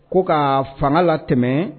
Ko ka fanga la tɛmɛ